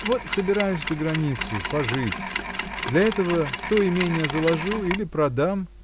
Вот собираюсь за границу пожить: для этого то имение заложу или продам.